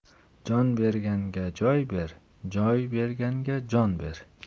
jon berganga joy ber joy beiganga jon ber